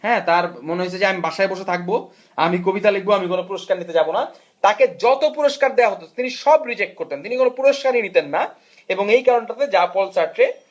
তার মনে হয়েছে যে আমি বাসায় বসে থাকবো আমি কবিতা লিখবো আমি কোন পুরস্কার নিতে যাবো না তাকে যত পুরস্কার দেয়া হতো তিনি সব রিজেক্ট করতেন তিনি কোন পুরস্কারই নিতে না এবং এই কারণটা তে জ্যাঁ পল সারট্রে